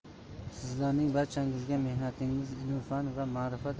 sizlarning barchangizga mehnatingiz ilm fan va ma'rifat